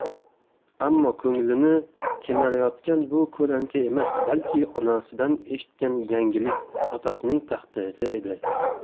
ammo ko'nglini kemirayotgan bu ko'lanka emas balki onasidan eshitgan yangilik otasining taqdiri edi